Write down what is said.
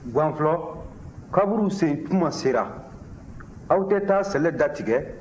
gwanflɔ kaburusen tuma sera aw tɛ taa sɛlɛ datigɛ